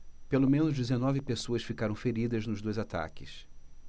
pelo menos dezenove pessoas ficaram feridas nos dois ataques